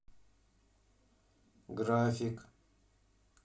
график